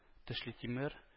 Тешлетимер